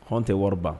Hɔn tɛ wari ban